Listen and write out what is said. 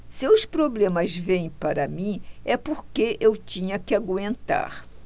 se os problemas vêm para mim é porque eu tinha que aguentar